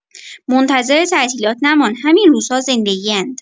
منتظر تعطیلات نمان، همین روزها زندگی‌اند.